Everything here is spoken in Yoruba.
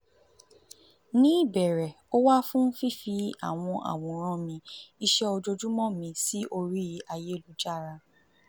Ní ìbẹ̀rẹ̀, ó wà fún fífi àwọn àwòrán mi, ìṣe ojoojúmọ́ mi sí orí ayélujára.